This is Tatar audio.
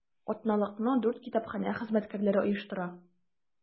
Атналыкны дүрт китапханә хезмәткәрләре оештыра.